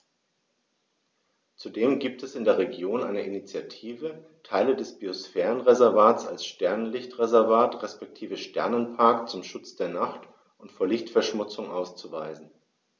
Zudem gibt es in der Region eine Initiative, Teile des Biosphärenreservats als Sternenlicht-Reservat respektive Sternenpark zum Schutz der Nacht und vor Lichtverschmutzung auszuweisen.